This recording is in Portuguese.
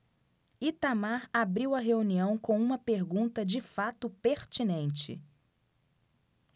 itamar abriu a reunião com uma pergunta de fato pertinente